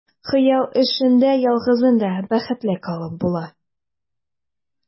Хыял эчендә ялгызың да бәхетле калып була.